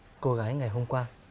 cô gái ngày hôm qua